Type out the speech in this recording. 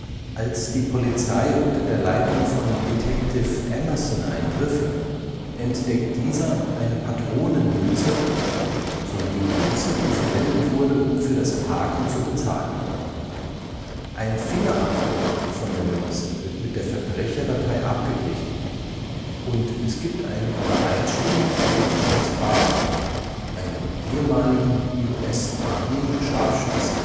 Als die Polizei unter der Leitung von Detective Emerson eintrifft, entdeckt dieser eine Patronenhülse sowie die Münze, die verwendet wurde, um für das Parken zu bezahlen. Ein Fingerabdruck von der Münze wird mit der Verbrecherdatei abgeglichen, und es gibt eine Übereinstimmung mit James Barr, einem ehemaligen US-Army-Scharfschützen